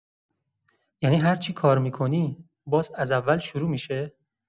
یعنی هرچی کار می‌کنی، باز از اول شروع می‌شه؟